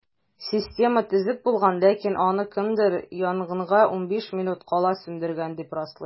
Система төзек булган, ләкин аны кемдер янгынга 15 минут кала сүндергән, дип раслый.